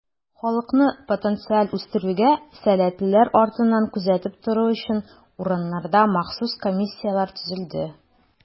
Халыкны потенциаль үстерүгә сәләтлеләр артыннан күзәтеп тору өчен, урыннарда махсус комиссияләр төзелде.